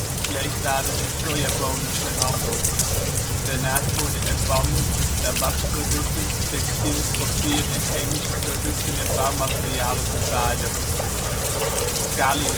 vleeswaren en sojabonen verhandeld. Daarnaast worden er banden, tabaksproducten, textiel, papier, chemische producten en bouwmaterialen vervaardigd. Cali